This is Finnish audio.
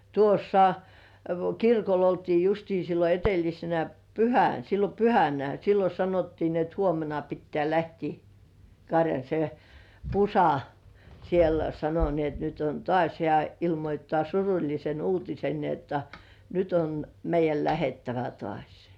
tuossa kirkolla oltiin justiin silloin edellisenä pyhänä silloin pyhänä silloin sanottiin niin että huomenna pitää lähteä karjan se Pusa siellä sanoi niin että nyt on taas hän ilmoittaa surullisen uutisen niin jotta nyt on meidän lähdettävä taas